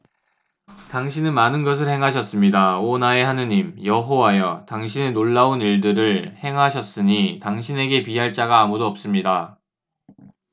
당신은 많은 것을 행하셨습니다 오 나의 하느님 여호와여 당신의 놀라운 일들 을 행하셨으니 당신에게 비할 자가 아무도 없습니다